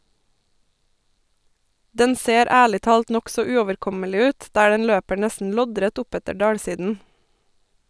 Den ser ærlig talt nokså uoverkommelig ut, der den løper nesten loddrett oppetter dalsiden.